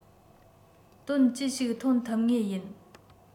དོན ཅི ཞིག ཐོན ཐུབ ངེས ཡིན